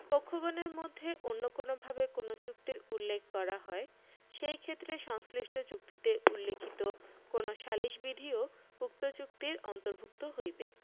পক্ষগণের মধ্যে অন্য কোনভাবে কোন চুক্তির উল্লেখ করা হয় সেই ক্ষেত্রে সংশ্লিষ্ট চুক্তিতে উল্লেখিত কোন সালিস বিধিও উক্ত চুক্তির অন্তর্ভুক্ত হইবে